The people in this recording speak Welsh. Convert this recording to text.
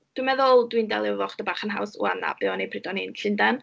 Dwi'n meddwl dwi'n delio efo chydig bach yn haws 'wan na be o'n i pryd o'n i yn Llundain.